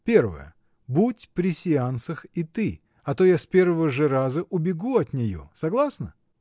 — Первое, будь при сеансах и ты: а то я с первого же раза убегу от нее: согласна?